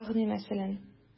Ягъни мәсәлән?